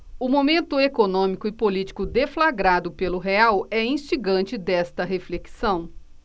o momento econômico e político deflagrado pelo real é instigante desta reflexão